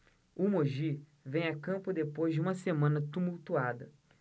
o mogi vem a campo depois de uma semana tumultuada